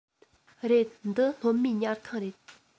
རེད འདི སློབ མའི ཉལ ཁང རེད